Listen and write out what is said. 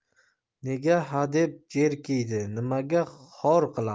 nega hadeb jerkiydi nimaga xor qiladi